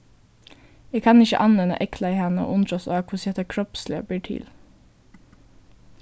eg kann ikki annað enn at eygleiða hana og undrast á hvussu hetta kropsliga ber til